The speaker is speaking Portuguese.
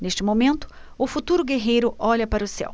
neste momento o futuro guerreiro olha para o céu